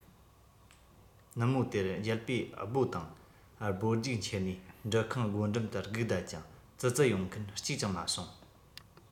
ནུབ མོ དེར རྒྱལ པོས སྦོ དང སྦོ རྒྱུགས ཁྱེར ནས འབྲུ ཁང སྒོ འགྲམ དུ སྒུག བསྡད ཀྱང ཙི ཙི ཡོང མཁན གཅིག ཀྱང མ བྱུང